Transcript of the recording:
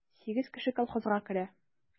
Сигез кеше колхозга керә.